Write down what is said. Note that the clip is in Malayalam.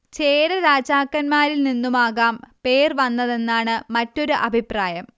ചേര രാജാക്കന്മാരിൽ നിന്നുമാകാം പേർ വന്നതെന്നാണ് മറ്റൊരു അഭിപ്രായം